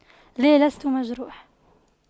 لا لست مجروح